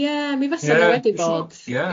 Ie mi fysa... Ie. ...fo wedi bod ie.